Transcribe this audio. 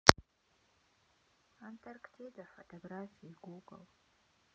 антарктида фотографии гугл